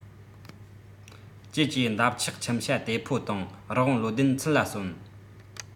ཀྱེ ཀྱེ འདབ ཆགས ཁྱིམ བྱ དེ ཕོ དང རི བོང བློ ལྡན ཚུར ལ གསོན